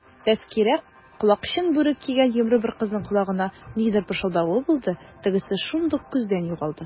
Тәзкирә колакчын бүрек кигән йомры бер кызның колагына нидер пышылдавы булды, тегесе шундук күздән югалды.